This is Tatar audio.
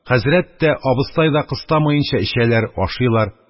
Хәзрәт тә, абыстай да кыстатмаенча эчәләр, ашыйлар,